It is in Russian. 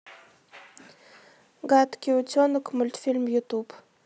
гадкий утенок мультфильм ютуб